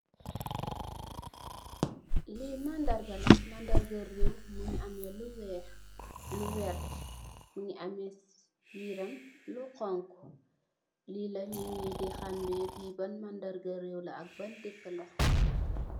Lii mandarga la, mandarga reew, mingi ame lu weex, lu werta, mingi ame biiram lu xonxu, li la ninyi di xaame bi ban mandarga reew la, ak ban dekka la.